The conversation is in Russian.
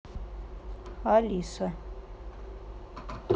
алиса